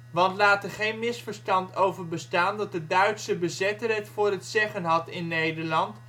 Want laat er geen misverstand over bestaan dat de Duitse bezetter het voor het zeggen had in Nederland